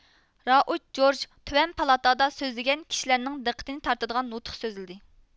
رائۇج جورج تۆۋەن پالاتادا سۆزلىگەن كىشىلەرنىڭ دىققىتىنى تارتىدىغان نۇتۇق سۆزلىدى